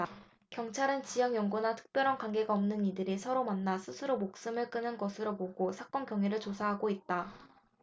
경찰은 지역 연고나 특별한 관계가 없는 이들이 서로 만나 스스로 목숨을 끊은 것으로 보고 사건 경위를 조사하고 있다